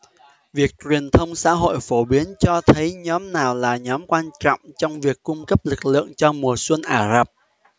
việc truyền thông xã hội phổ biến cho thấy nhóm nào là nhóm quan trọng trong việc cung cấp lực lượng cho mùa xuân ả rập